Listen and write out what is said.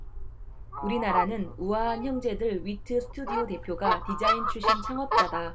우리나라는 우아한형제들 위트 스튜디오 대표가 디자인 출신 창업자다